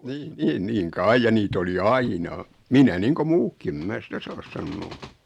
niin niin niin kai ja niitä oli aina minä niin kuin muutkin en minä sitä saa sanoa